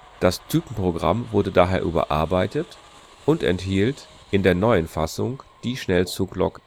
Das Typenprogramm wurde daher überarbeitet und enthielt in der neuen Fassung die Schnellzuglok